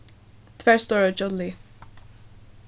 tvær stórar jolly